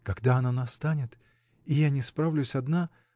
— Когда оно настанет — и я не справлюсь одна.